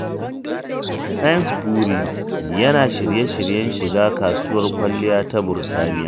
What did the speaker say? Sainsbury’s yana shirye-shiryen shiga kasuwar kwalliya ta Birtaniyya